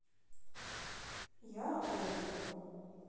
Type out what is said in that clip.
я овен